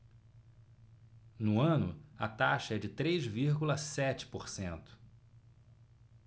no ano a taxa é de três vírgula sete por cento